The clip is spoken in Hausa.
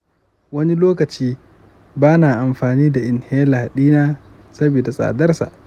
wani lokaci ba na amfani da inhaler dina saboda tsadarsa.